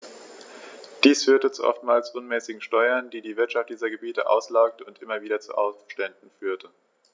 Dies führte zu oftmals unmäßigen Steuern, die die Wirtschaft dieser Gebiete auslaugte und immer wieder zu Aufständen führte.